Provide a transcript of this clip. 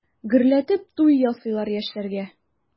Гөрләтеп туй ясыйлар яшьләргә.